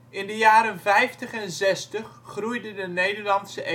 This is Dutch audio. In de jaren ' 50 en ' 60 groeide de Nederlandse economie